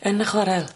Yn y chwarel?